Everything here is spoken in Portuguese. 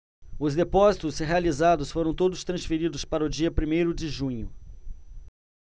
os depósitos realizados foram todos transferidos para o dia primeiro de junho